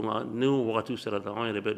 Ni waati sera taa an yɛrɛ bɛ